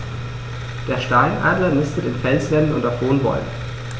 Der Steinadler nistet in Felswänden und auf hohen Bäumen.